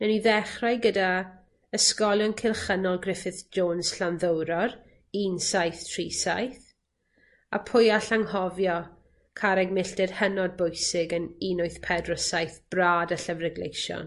Newn ni ddechrau gyda Ysgolion Cylchynol Griffith Jones Llanddowror un saith tri saith a pwy all anghofio carreg milltir hynod bwysig yn un wyth pedwar saith brad y Llyfre Gleision.